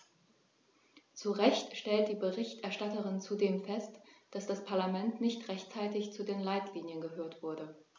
Zu Recht stellt die Berichterstatterin zudem fest, dass das Parlament nicht rechtzeitig zu den Leitlinien gehört wurde.